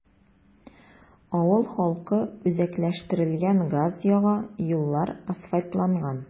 Авыл халкы үзәкләштерелгән газ яга, юллар асфальтланган.